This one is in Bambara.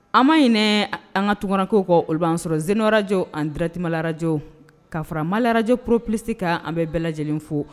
An ma ɲiniinɛ an ka tun ko kɔ o b'ana sɔrɔ zeoyɔrɔjɔ an dtimalajɔo k'aramalaraj poroplisisi kan an bɛ bɛɛ lajɛlen fo